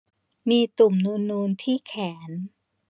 มีตุ่มนูนนูนที่แขน